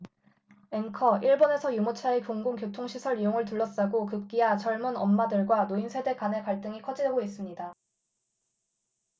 앵커 일본에서 유모차의 공공 교통시설 이용을 둘러싸고 급기야 젊은 엄마들과 노인 세대 간의 갈등이 커지고 있습니다